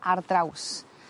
ar draws